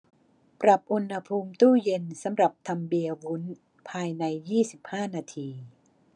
ปรับอุณหภูมิตู้เย็นสำหรับทำเบียร์วุ้นภายในยี่สิบห้านาที